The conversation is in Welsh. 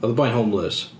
Oedd y boi'n homeless.